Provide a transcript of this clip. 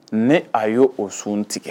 Ne a y'o o sun tigɛ